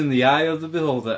In the eye of the beholder.